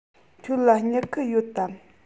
ཁྱོད ལ སྨྱུ གུ ཡོད དམ